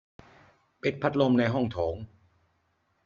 ปิดพัดลมในห้องโถง